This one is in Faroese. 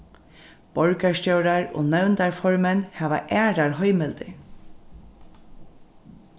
borgarstjórar og nevndarformenn hava aðrar heimildir